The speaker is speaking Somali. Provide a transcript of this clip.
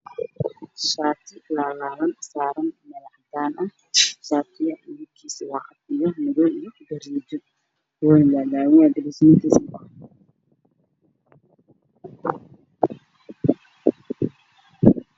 Waa shaati laalaaban oo saaran meel cadaan ah, midabkiisu waa madow iyo gaduud isku jiro waana laalaaban yahay.